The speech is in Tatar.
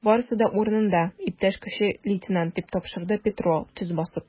Барысы да урынында, иптәш кече лейтенант, - дип тапшырды Петро, төз басып.